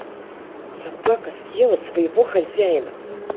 собака съела своего хозяина